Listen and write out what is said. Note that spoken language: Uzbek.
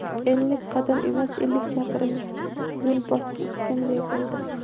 ellik qadam emas ellik chaqirim yo'l bosib o'tganday bo'ldi